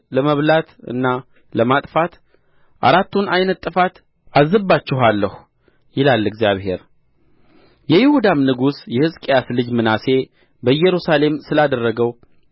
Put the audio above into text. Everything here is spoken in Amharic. ለመብላትና ለማጥፋት አራቱን ዓይነት ጥፋት አዝዝባቸዋለሁ ይላል እግዚአብሔር የይሁዳም ንጉሥ የሕዝቅያስ ልጅ ምናሴ በኢየሩሳሌም ስላደረገው